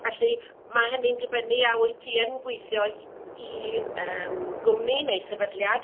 Felly, ma' hynny'n dibynnu a wyt ti yn gweithio i yym gwmni neu sefydliad,